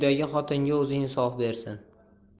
xotinga o'zi insof bersin